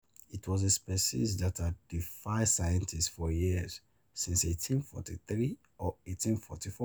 It was a species that had defied scientists for years, since 1843 or 1844.